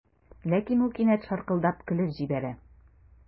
Ләкин ул кинәт шаркылдап көлеп җибәрә.